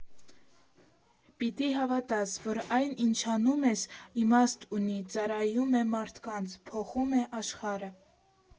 Պիտի հավատաս, որ այն, ինչ անում ես, իմաստ ունի, ծառայում է մարդկանց, փոխում է աշխարհը։